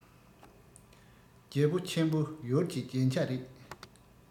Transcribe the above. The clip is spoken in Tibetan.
རྒྱལ པོ ཆེན པོ ཡུལ གྱི རྒྱན ཆ རེད